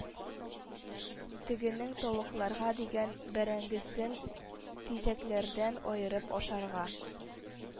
Тегенең тавыкларга дигән бәрәңгесен тизәкләрдән аерып ашарга